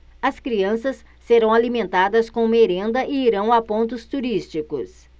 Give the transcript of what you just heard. as crianças serão alimentadas com merenda e irão a pontos turísticos